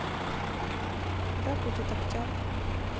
когда будет октябрь